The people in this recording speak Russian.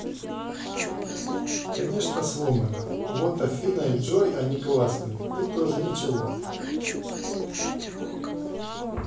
конечно сломана вот афина и джой они классные ты тоже ничего